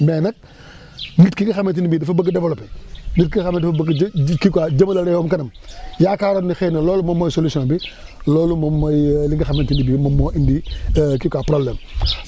mais nag nit ki nga xamante ni bii dafa bëgg développé nit ki nga xam ne dafa bëgg di di kii quoi jëmale réewam kanam yaakaaroon ne xëy na loolu moom mooy solution bi loolu moom mooy li nga xamante ni bii moom moo indi kii quoi problème